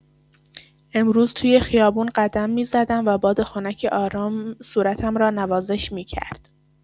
امروز توی خیابون قدم می‌زدم و باد خنکی آرام صورتم را نوازش می‌کرد.